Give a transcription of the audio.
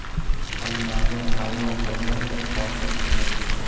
alimardon hayron qolganday qoshini chimirdi